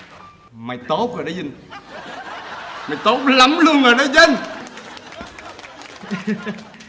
mày tốt rồi đó vinh mayf tốt lắm luôn rồi đó vinh